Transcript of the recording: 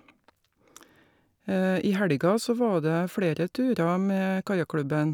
I helga så var det flere turer med kajakklubben.